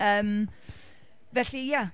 Yym, felly ia.